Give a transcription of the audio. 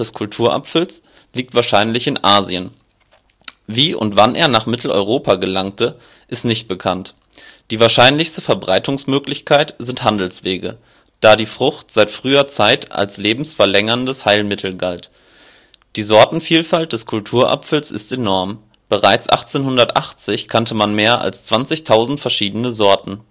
Kulturapfels liegt wahrscheinlich in Asien. Wie und wann er nach Mitteleuropa gelangte, ist nicht bekannt. Die wahrscheinlichste Verbreitungsmöglichkeit sind Handelswege, da die Frucht seit früher Zeit als lebensverlängerndes Heilmittel galt. Die Sortenvielfalt des Kulturapfels ist enorm; bereits 1880 kannte man mehr als 20.000 verschiedene Sorten